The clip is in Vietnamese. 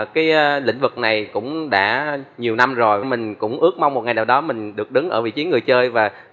cái lĩnh vực này cũng đã nhiều năm rồi mình cũng ước mong một ngày nào đó mình được đứng ở vị trí người chơi và